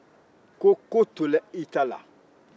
dɔnki ko ko tora i ta la